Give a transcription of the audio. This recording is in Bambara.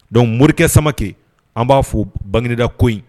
Donc morikɛ samake , an ba fɔ bagineda ko in